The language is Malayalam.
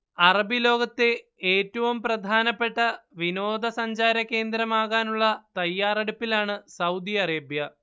അറബി ലോകത്തെ ഏറ്റവും പ്രധാനപ്പെട്ട വിനോദ സഞ്ചാര കേന്ദ്രമാകാനുള്ള തയാറെടുപ്പിലാണ് സൗദി അറേബ്യ